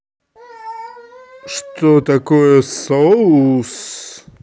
что такое соус